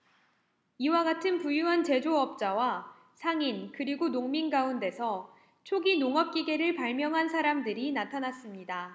이와 같은 부유한 제조업자와 상인 그리고 농민 가운데서 초기 농업 기계를 발명한 사람들이 나타났습니다